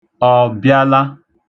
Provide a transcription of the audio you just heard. Ọ bịala?